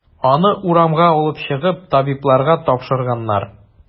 Аны урамга алып чыгып, табибларга тапшырганнар.